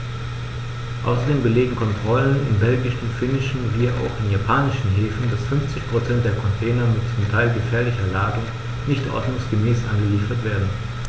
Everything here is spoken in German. Außerdem belegen Kontrollen in belgischen, finnischen wie auch in japanischen Häfen, dass 50 % der Container mit zum Teil gefährlicher Ladung nicht ordnungsgemäß angeliefert werden.